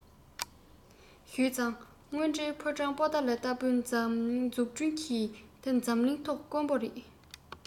ཞུས ཙང དངོས འབྲེལ ཕོ བྲང པོ ཏ ལ ལྟ བུའི འཛུགས སྐྲུན དེ འདྲ འཛམ གླིང ཐོག དཀོན པོ རེད